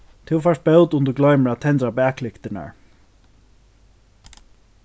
tú fært bót um tú gloymir at tendra baklyktirnar